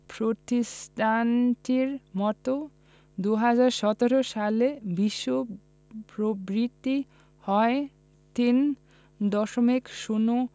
প্রতিষ্ঠানটির মতে ২০১৭ সালে বিশ্ব প্রবৃদ্ধি হয় ৩.০